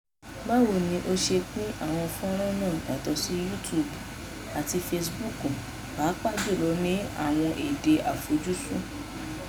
Báwo ni o ṣe ń pín àwọn fọ́nràn náà yàtọ̀ sí YouTube àti Facebook, pàápàá jùlọ ní àwọn èdè àfojúsùn?